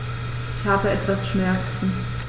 Ich habe etwas Schmerzen.